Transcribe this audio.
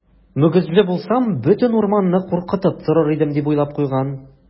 Мөгезле булсам, бөтен урманны куркытып торыр идем, - дип уйлап куйган.